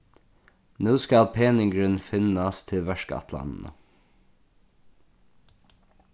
nú skal peningurin finnast til verkætlanina